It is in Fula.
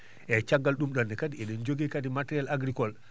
eeyi caggal ɗum ɗonne kadi eɗen jogii kadi matériel agricol